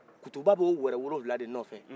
kutuba b'o wɛrɛ wolowula de nɔfɛ